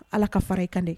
Ala ka fara i kan dɛ